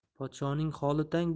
podshoning holi tang